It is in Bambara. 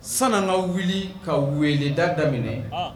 Sanana wuli ka wele dada minɛ